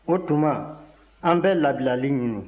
o tuma an bɛ labilali ɲini